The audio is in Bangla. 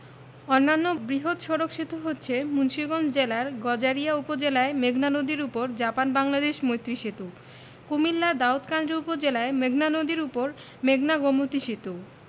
অন্যান্য বৃহৎ সড়ক সেতু হচ্ছে মুন্সিগঞ্জ জেলার গজারিয়া উপজেলায় মেঘনা নদীর উপর জাপান বাংলাদেশ মৈত্রী সেতু কুমিল্লার দাউদকান্দি উপজেলায় মেঘনা নদীর উপর মেঘনা গোমতী সেতু